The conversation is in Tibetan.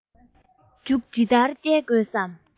མཇུག ཇི ལྟར བསྐྱལ དགོས སམ